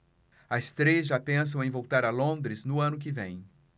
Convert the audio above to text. as três já pensam em voltar a londres no ano que vem